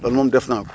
loolu moom def naa ko